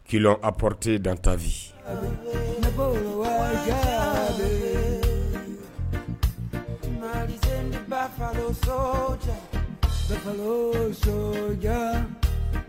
Qui l’ont apporté dans ta vie